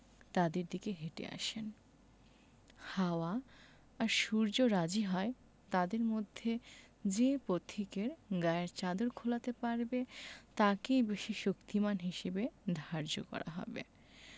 তাদের দিকে হেটে আসেন হাওয়া আর সূর্য রাজি হয় তাদের মধ্যে যে পথিকে গায়ের চাদর খোলাতে পারবে তাকেই বেশি শক্তিমান হিসেবে ধার্য করা হবে